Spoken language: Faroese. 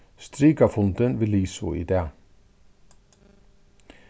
strika fundin við lisu í dag